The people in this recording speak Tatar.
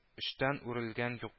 Өчтән үрелгән